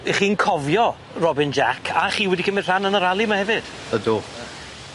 ###'ych chi'n cofio Robin Jac a chi wedi cymryd rhan yn y rali 'ma hefyd? Ydw.